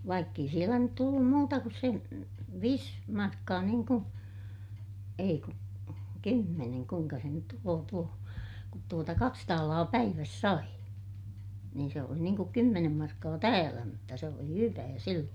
vaikka ei siellä nyt tullut muuta kuin sen viisi markkaa niin kuin ei kun kymmenen kuinka se nyt tulee tuo kun tuota kaksi taalaa päivässä sai niin se oli niin kuin kymmenen markkaa täällä mutta se oli hyvää silloin